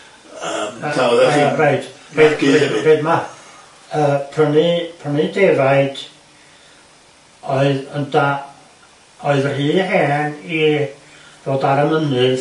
Yym ta o'dda chi... ma' yy prynu prynu defaid oedd yn da- oedd rhy hen i fod ar y mynydd.